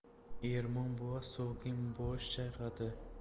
ermon buva sokin bosh chayqadi